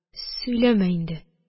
Сөйләмә инде